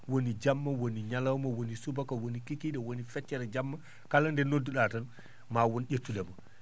woni jamma woni ñalawma woni subaka woni kiikii?e woni feccere jamma kala nde noddu?a tan ma won ?ettu?oma